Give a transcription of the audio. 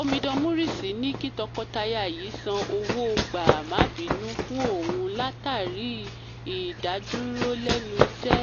Omidan Maurice ní kí tọkọtaya yìí san owó-gbaà-má-binú fún òun látàrí ìdáduụró lẹ́nu iṣẹ́.